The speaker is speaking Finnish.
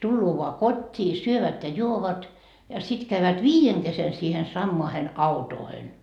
tulee vain kotiin syövät ja juovat ja sitten käyvät viiden kesken siihen samaan autoon